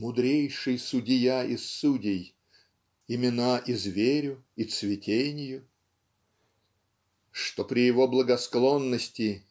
"мудрейший Судия из судей" "имена и зверю и цветенью" что при Его благосклонности